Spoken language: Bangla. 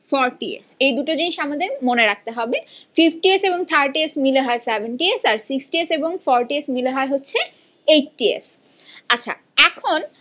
ফরটি এস এ দুটো জিনিস আমাদের মনে রাখতে হবে ফিফটি এস এবং থার্টি এস মিলে হয় সেভেনটি এস সিক্সটি এস এবং ফর টি এস মিলে হচ্ছে এইটটি এস আচ্ছা এখন